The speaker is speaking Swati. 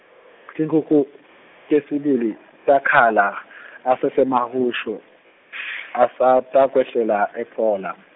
tinkhukhu tesibili takhala asaseMahushu asatakwehlela ePhola.